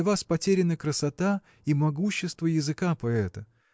для вас потеряны красота и могущество языка поэта.